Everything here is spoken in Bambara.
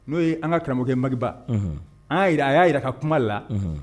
N'o ye an ka karamɔgɔkɛ ye Madi Ba unhun an y'a yira a y'a yira a ka kuma la unhun